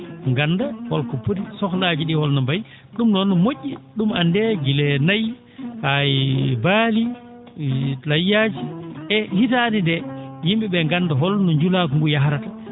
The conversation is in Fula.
ngannda holko poti sohlaaji ?ii holno mbayi ?um noon no mo??i ?um anndee gila he nayi haa e baali e layyaaji e hitaande ndee yim?e ?ee ngannda holno julaagu ngu yahrata